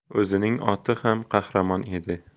o'zining oti ham qahramon edi